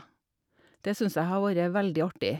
Det syns jeg har vorre veldig artig.